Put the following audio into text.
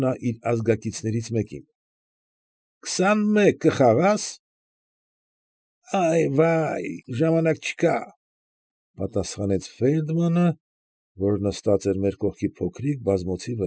Նա իր ազգակիցներից մեկին,֊ քսանմեկ կխաղա՞ս։ ֊ Այ֊վա՛յ, ժամանակ չկա,֊ պատասխանեց Ֆեյլդմանը, որ նստած էր մեր կողքի փոքրիկ բազմոցի։